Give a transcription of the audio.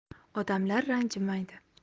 odamlar ranjimaydi